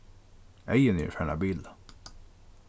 eyguni eru farin at bila